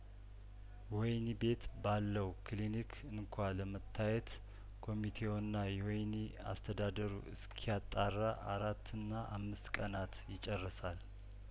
ወህኒ ቤት ባለው ክሊኒክ እንኳ ለመታየት ኮሚቴውና የወህኒ አስተዳደሩ እስኪያጣራ አራትና አምስት ቀናት ይጨርሳል